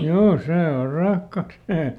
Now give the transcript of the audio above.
joo se on rahka sitten se